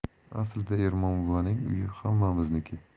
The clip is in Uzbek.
aslida ermon buvaning uyi hammamizniki